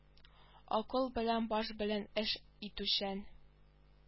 Акыл белән баш белән эш итүчән